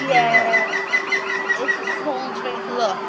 Yeah, it's a smouldering look.